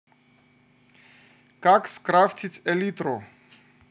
как скрафтить элитру